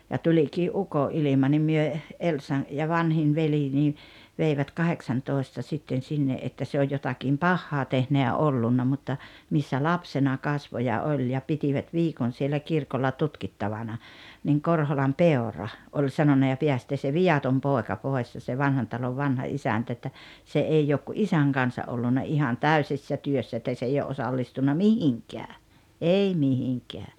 ja tulikin ukonilma niin me Elsan ja vanhin veli niin veivät kahdeksantoista sitten sinne että se on jotakin pahaa tehnyt ja ollut mutta missä lapsena kasvoi ja oli ja pitivät viikon siellä kirkolla tutkittavana niin Korholan Peura oli sanonut ja päästää se viaton poika pois ja se Vanhan Talon vanha isäntä että se ei ole kuin isän kanssa ollut ihan täysissä työssä että se ei ole osallistunut mihinkään ei mihinkään